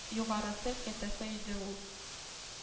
Югарысы, кәттәсе иде ул